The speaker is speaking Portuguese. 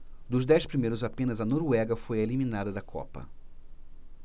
dos dez primeiros apenas a noruega foi eliminada da copa